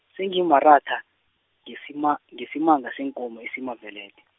sengimaratha, ngesima- ngesimanga seenkomo esimavelede.